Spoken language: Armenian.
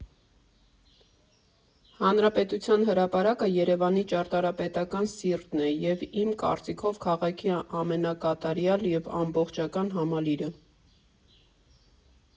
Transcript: Հանրապետության հրապարակը Երևանի ճարտարապետական սիրտն է և, իմ կարծիքով, քաղաքի ամենակատարյալ և ամբողջական համալիրը։